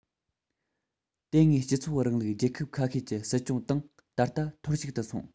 དེ སྔའི སྤྱི ཚོགས རིང ལུགས རྒྱལ ཁབ ཁ ཤས ཀྱི སྲིད སྐྱོང ཏང ད ལྟ ཐོར ཞིག ཏུ སོང